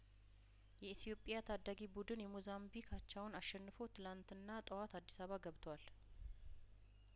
የኢትዮጵያ ታዳጊ ቡድን የሞዛምቢክ አቻውን አሸንፎ ትላንትና ጠዋት አዲስአባ ገብቷል